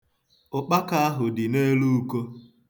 Ụkpaka ahụ dị n'elu uko.